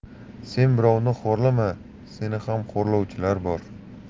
sen birovni xo'rlama seni ham xo'rlovchilar bor